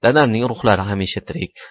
dadamning ruhlari hamisha tirik